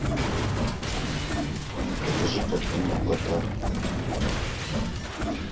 покажи картинку кота